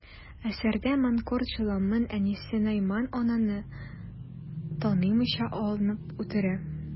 Әсәрдә манкорт Җоламан әнисе Найман ананы танымыйча, атып үтерә.